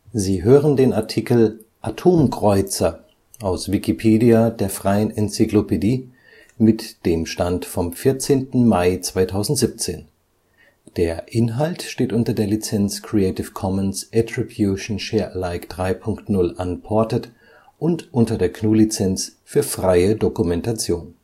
Sie hören den Artikel Atomkreuzer, aus Wikipedia, der freien Enzyklopädie. Mit dem Stand vom Der Inhalt steht unter der Lizenz Creative Commons Attribution Share Alike 3 Punkt 0 Unported und unter der GNU Lizenz für freie Dokumentation